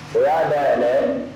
O y'a mɛn dɛ